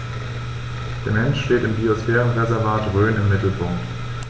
Der Mensch steht im Biosphärenreservat Rhön im Mittelpunkt.